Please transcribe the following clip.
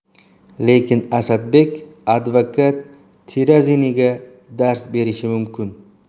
lekin asadbek advokat teraziniga dars berishi mumkin